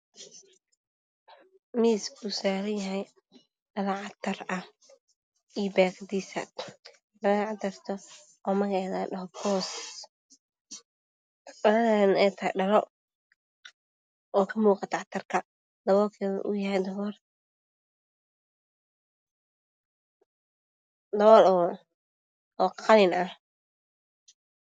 Miis oow saranyahay dhalo catar ah io bakadisa oo magaceda ladhaho boos dhalo eey kamuqto catarak dabolkedu oow yahay qalin